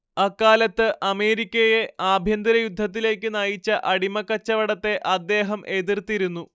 അക്കാലത്ത് അമേരിക്കയെ ആഭ്യന്തരയുദ്ധത്തിലേയ്ക്കു നയിച്ച അടിമക്കച്ചവടത്തെ അദ്ദേഹം എതിർത്തിരുന്നു